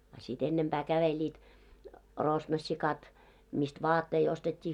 a sitten ennempää kävelivät rosnossikat mistä vaatteita ostettiin